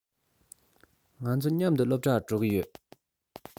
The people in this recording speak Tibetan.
ང ཚོ མཉམ དུ སློབ གྲྭར འགྲོ གི ཡོད